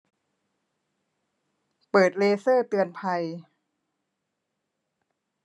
เปิดเลเซอร์เตือนภัย